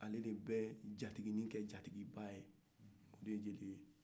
ale de bɛ jatiginin ke jatigiba ye o de ye jeli ye